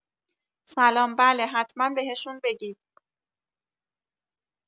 سلام بله حتما بهشون بگید